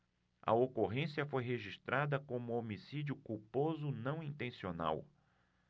a ocorrência foi registrada como homicídio culposo não intencional